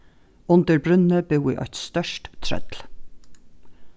undir brúnni búði eitt stórt trøll